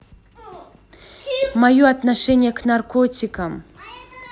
мое отношение к наркотикам